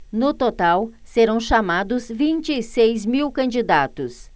no total serão chamados vinte e seis mil candidatos